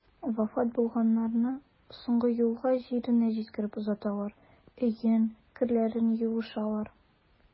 Вафат булганнарны соңгы юлга җиренә җиткереп озаталар, өен, керләрен юышалар.